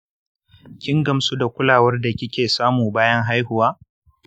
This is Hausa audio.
kin gamsu da kulawar da kike samu bayan haihuwa?